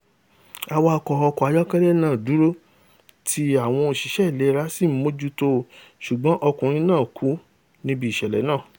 Awakọ̀ ọkọ̀ ayọ́kẹ́lẹ́ náà dúró tí àwọn òṣìṣẹ́ ìlera sì mójútó o, s̀ugbọ́n ọkùnrin náà kú níbi ìṣẹ̀lẹ̀ náà.